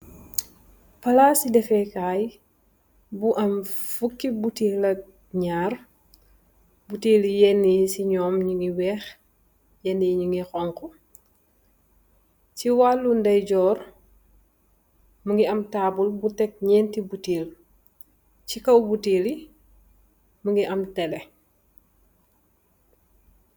Palasi dafeh kai bu am fukih buttel ak nyarr buttel yi yeneh si nyum nyunge wekh yenen nyunge xong khuh si walu ndeye jorr munge am tabal bu a tek nyenti buttel si kaw buttel yi munge am teleh